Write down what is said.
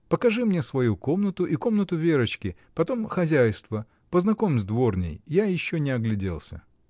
— Покажи мне свою комнату и комнату Верочки, потом хозяйство, познакомь с дворней. Я еще не огляделся.